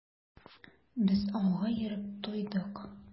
Без ауга йөреп туйдык.